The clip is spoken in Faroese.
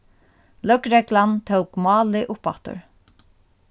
løgreglan tók málið uppaftur